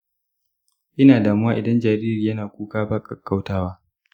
ina damuwa idan jariri yana kuka ba ƙaƙƙautawa.